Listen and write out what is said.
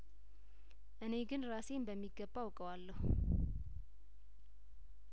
እኔ ግን ራሴን በሚገባ አውቀዋለሁ